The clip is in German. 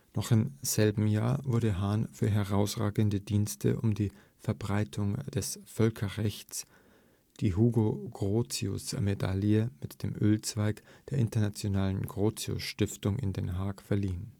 Noch im selben Jahr wurde Hahn für herausragende Verdienste um die Verbreitung des Völkerrechts die „ Hugo-Grotius-Medaille mit dem Ölzweig “der Internationalen Grotius-Stiftung in Den Haag verliehen